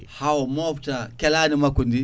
hawo mofta keladi makko ndi